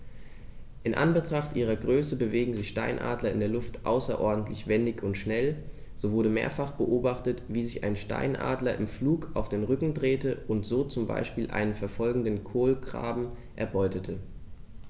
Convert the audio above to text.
In Anbetracht ihrer Größe bewegen sich Steinadler in der Luft außerordentlich wendig und schnell, so wurde mehrfach beobachtet, wie sich ein Steinadler im Flug auf den Rücken drehte und so zum Beispiel einen verfolgenden Kolkraben erbeutete.